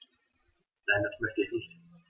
Nein, das möchte ich nicht.